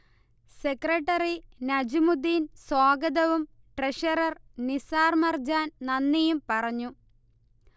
secretary Najmuddin സ്വാഗതവും treasurer Nisar Marjan നന്ദിയും പറഞ്ഞു